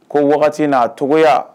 Ko wagati n'a togo